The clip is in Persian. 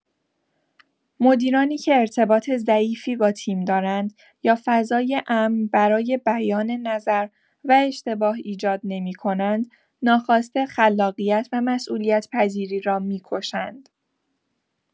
مدیرانی که ارتباط ضعیفی با تیم دارند یا فضای امن برای بیان نظر و اشتباه ایجاد نمی‌کنند، ناخواسته خلاقیت و مسئولیت‌پذیری را می‌کشند.